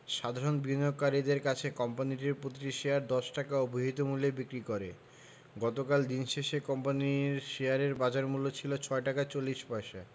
সাধারণ বিনিয়োগকারীদের কাছে কোম্পানিটি প্রতিটি শেয়ার ১০ টাকা অভিহিত মূল্যে বিক্রি করে গতকাল দিন শেষে এ কোম্পানির শেয়ারের বাজারমূল্য ছিল ৬ টাকা ৪০ পয়সা